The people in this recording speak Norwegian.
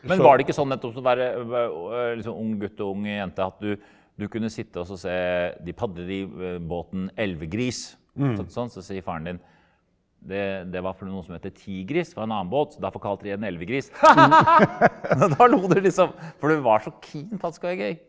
men var det ikke sånn nettopp å være liksom ung gutt og ung jente at du du kunne sitte og så se de padler i båten Elvegris sånn så sier faren din det det var for noe som heter Tigris var en annen båt så derfor kalte de den Elvegris da lo dere liksom for du var så keen på at det skulle være gøy.